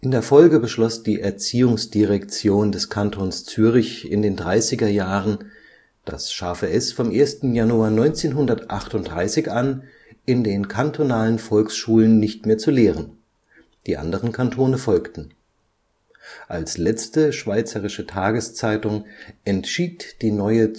der Folge beschloss die Erziehungsdirektion (Kultusministerium) des Kantons Zürich in den Dreißigerjahren, das ß vom 1. Januar 1938 an in den kantonalen Volksschulen nicht mehr zu lehren; die anderen Kantone folgten. Als letzte schweizerische Tageszeitung entschied die Neue